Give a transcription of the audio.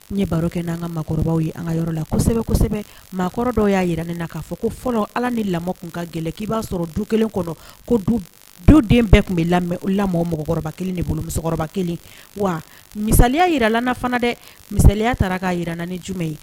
Ne ɲɛ baro kɛ n' an kakɔrɔbaw ye an ka yɔrɔ la kosɛbɛ maakɔrɔ dɔw y'a jira na k'a fɔ ko fɔlɔ ala ni lamɔ tun ka gɛlɛn k'i b'a sɔrɔ du kelen kɔ ko doden bɛɛ tun bɛ lamɔ mɔgɔkɔrɔba kelen de bolo musokɔrɔba kelen wa misaya jirala fana dɛ misaya taara k kaa jira naani ni jumɛn ye